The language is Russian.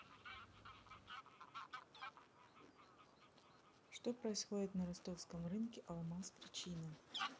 что происходит на ростовском рынке алмаз причина